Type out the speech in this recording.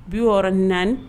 Bi yɔrɔ naani